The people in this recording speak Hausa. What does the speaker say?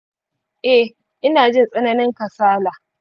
eh, inajin tsananin kasala